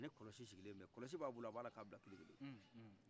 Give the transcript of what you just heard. ani kɔlɔsi sigilebɛ kɔlɔsi b'a bolo a bala ka bila kelen kelen